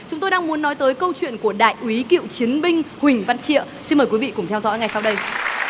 chúng tôi đang muốn nói tới câu chuyện của đại úy cựu chiến binh huỳnh văn triệu xin mời quý vị cùng theo dõi ngay sau đây